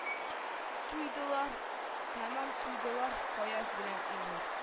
Туйдылар тәмам туйдылар фаяз белән илнур